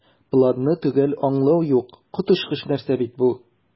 "планны төгәл аңлау юк, коточкыч нәрсә бит бу!"